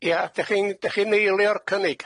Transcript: Ia, dach chi'n -dach chi'n eilio'r cynnig?